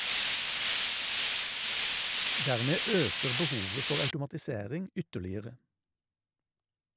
Dermed øker behovet for automatisering ytterligere.